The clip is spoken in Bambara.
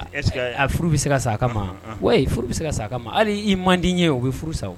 Furu bɛ se ka sa ka ma wa furu bɛ se ka sa ma hali i man d ye o bɛ furu sa